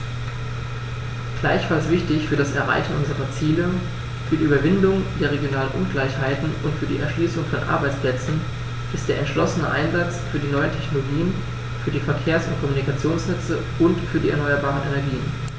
Gleichfalls wichtig für das Erreichen unserer Ziele, für die Überwindung der regionalen Ungleichheiten und für die Erschließung von Arbeitsplätzen ist der entschlossene Einsatz für die neuen Technologien, für die Verkehrs- und Kommunikationsnetze und für die erneuerbaren Energien.